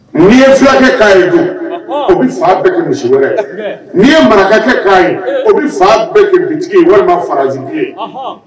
Nii ye fikɛ k'a ye bi o bɛ fa bɛɛ kɛ misi wɛrɛ n'i ye maraka kɛ k'a ye o bɛ fa bɛɛ kɛ bin ye walima faraztigi ye